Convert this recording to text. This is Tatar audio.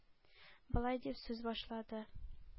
Болай дип сүз башлады: